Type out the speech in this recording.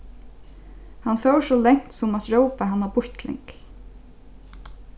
hann fór so langt sum at rópa hana býttling